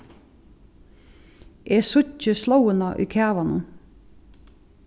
eg síggi slóðina í kavanum